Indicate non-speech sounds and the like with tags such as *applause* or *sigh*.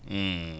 *hesitation* *hesitation*